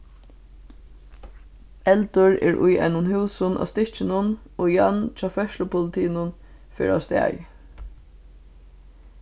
eldur er í einum húsum á stykkinum og jan hjá ferðslupolitinum fer á staðið